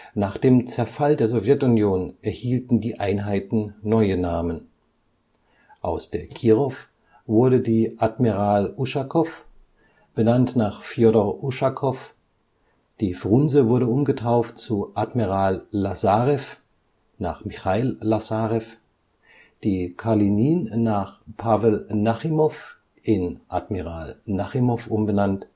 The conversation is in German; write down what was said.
Nach dem Zerfall der Sowjetunion erhielten die Einheiten neue Namen. Aus der Kirow wurde die Admiral Uschakow, benannt nach Fjodor Uschakow, die Frunse wurde umgetauft zu Admiral Lasarew nach Michail Lasarew, die Kalinin nach Pawel Nachimow in Admiral Nachimow umbenannt